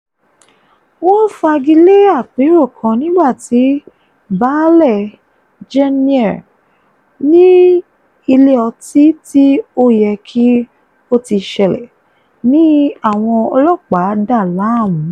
Wọ́n fagilé àpérò kan nígbà tí baálẹ̀ Janeer, ní ilé ọtí tí ó yẹ kí ó ti ṣẹlẹ̀, ní àwọn ọlọ́pàá dà láàmú.